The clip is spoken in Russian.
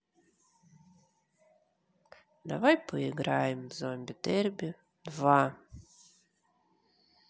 давай поиграем в зомби дерби два